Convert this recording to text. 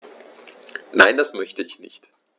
Nein, das möchte ich nicht.